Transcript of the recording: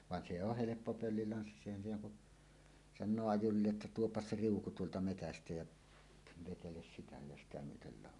vaan se on helppo pöllilanssissa eihän siinä kun sanoo ajurille että tuo se riuku tuolta metsästä ja vetele sitä ja sitä myöten lado